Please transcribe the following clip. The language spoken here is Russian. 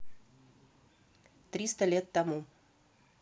триста лет тому